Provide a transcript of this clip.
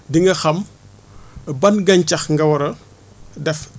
di nga xam ban gàncax nga war a def